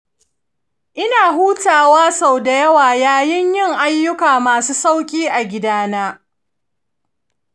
ina hutawa sau da yawa yayin yin ayyuka masu sauƙi na gida.